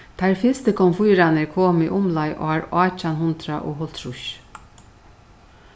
teir fyrstu komfýrarnir komu umleið ár átjan hundrað og hálvtrýss